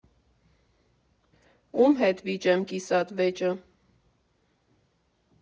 Ում հետ վիճեմ կիսատ վեճը։